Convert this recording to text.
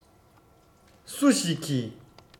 སུ ཞིག གིས